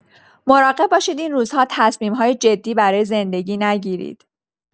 مراقب باشید این روزها تصمیم‌های جدی برای زندگی نگیرید.